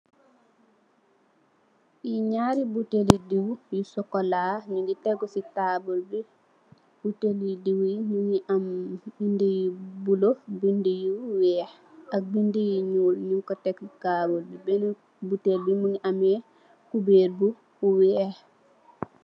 Nyaari butel li diiw yu sokola, nyungi teggu si taabul bi, butel li diw yi nyingi am bind yu bula, bind yu weex, ak bind yu nyuul, nyun ko tegg si taabul bi, beneen butel bi mingi ame kubeer bu weex.